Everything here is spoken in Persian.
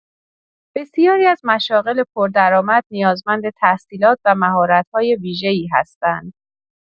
بسیاری از مشاغل پردرآمد نیازمند تحصیلات و مهارت‌های ویژه‌ای هستند.